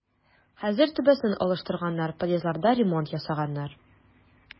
Хәзер түбәсен алыштырганнар, подъездларда ремонт ясаганнар.